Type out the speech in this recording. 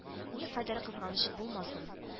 Никадәр кызганыч булмасын